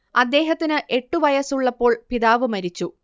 അദ്ദേഹത്തിന് എട്ടു വയസ്സുള്ളപ്പോൾ പിതാവ് മരിച്ചു